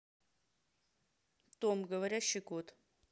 том говорящий кот